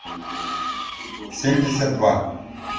семьдесят два